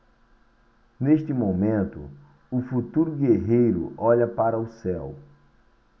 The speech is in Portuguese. neste momento o futuro guerreiro olha para o céu